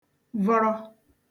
vọrọ